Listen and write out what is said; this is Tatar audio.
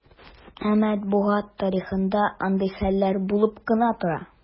Ә матбугат тарихында андый хәлләр булып кына тора.